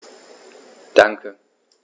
Danke.